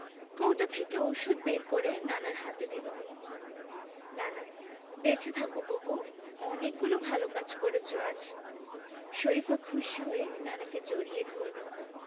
কৌটা থেকে ঔষধ বের করে নানার হাতে দিল নানা বেঁচে থাকো বুবু অনেকগুলো ভালো কাজ করেছ আজ শরিফা খুশি হয়ে নানাকে জড়িয়ে ধরল